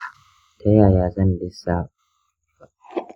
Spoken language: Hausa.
ta yaya zan lissafta ma'aunin taro na jiki (bmi)?